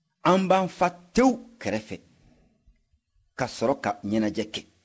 an b'an fa tewu kɛrɛfɛ ka sɔrɔ ka ɲɛnajɛ kɛ